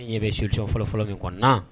Ni ɲɛ bɛ surcɛn fɔlɔfɔlɔ min kɔnɔ na